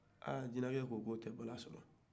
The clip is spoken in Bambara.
ahh jinacɛ ko k'o tɛ bala sɔrɔ